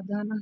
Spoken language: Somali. duwan